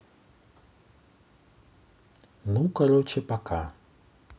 ну короче пока